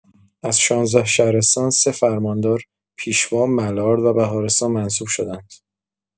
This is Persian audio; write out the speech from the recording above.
از ۱۶ شهرستان، سه فرماندار پیشوا، ملارد و بهارستان منصوب شدند.